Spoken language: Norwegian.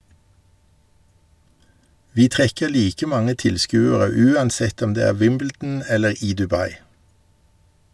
Vi trekker like mange tilskuere uansett om det er Wimbledon eller i Dubai.